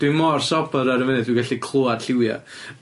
Dwi'n mor sobor ar y funud, dwi'n gallu clywed lliwiau.